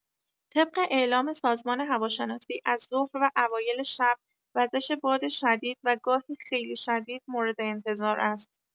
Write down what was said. طبق اعلام سازمان هواشناسی از ظهر و اوایل شب، وزش باد شدید و گاهی خیلی شدید مورد انتظار است.